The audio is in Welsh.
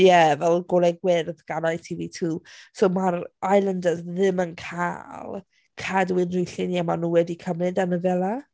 Ie, fel golau gwyrdd gan ITV2. So, mae'r islanders ddim yn cael cadw unrhyw lluniau mae nhw wedi cymryd yn y villa.